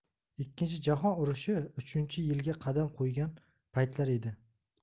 ikkinchi jahon urushi uchinchi yilga qadam qo'ygan paytlar edi